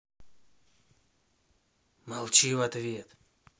молчи в ответ